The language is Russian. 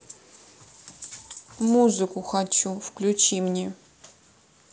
музыку хочу включи мне